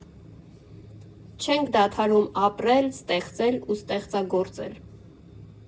Չենք դադարում ապրել, ստեղծել ու ստեղծագործել…